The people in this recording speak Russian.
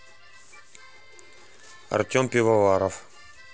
артем пивоваров